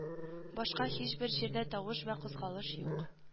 Башка һичбер җирдә тавыш вә кузгалыш юк